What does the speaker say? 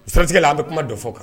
Sirati la an bɛ kuma dɔ fɔ kan